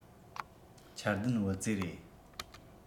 འཆར ལྡན བུ བཙའི རེད